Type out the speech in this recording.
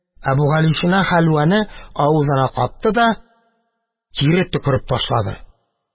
Әбүгалисина хәлвәне авызына капты да кире төкереп ташлады.